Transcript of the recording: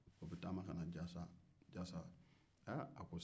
o bɛ taama ka na jasa jasa